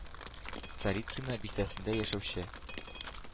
Царицыно бистәсендә яшәүче